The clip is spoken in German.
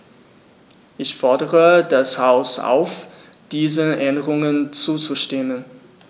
Ich fordere das Haus auf, diesen Änderungen zuzustimmen.